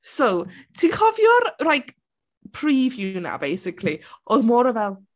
So ti'n cofio'r like preview 'na basically oedd mor fel...